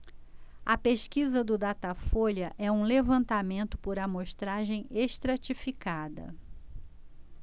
a pesquisa do datafolha é um levantamento por amostragem estratificada